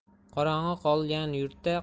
qorong'i qolgan yurtda